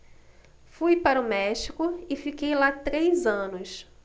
fui para o méxico e fiquei lá três anos